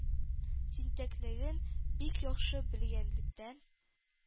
Тинтәклеген бик яхшы белгәнлектән,